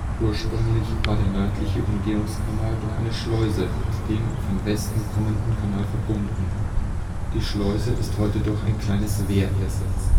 Ursprünglich war der nördliche Umgehungskanal durch eine Schleuse mit dem von Westen kommenden Kanal verbunden; die Schleuse ist heute durch ein kleines Wehr ersetzt